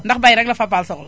ndax bay rekk la Fapal soxla